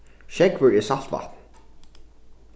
sjógvur er salt vatn